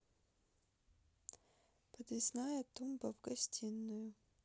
подвесная тумба в гостинную